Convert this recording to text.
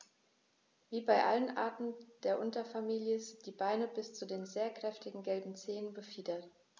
Wie bei allen Arten der Unterfamilie sind die Beine bis zu den sehr kräftigen gelben Zehen befiedert.